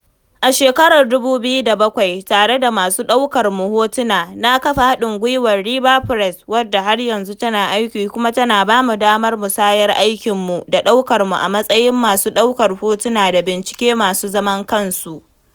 A shekarar 2007, tare da wasu masu ɗaukar hotuna, na kafa haɗin gwiwarmu, RIVA PRESS, wadda har yanzu tana aiki kuma tana ba mu damar musayar aikin mu da daukar mu a matsayin masu daukar hotuna da bincike masu zaman kansu.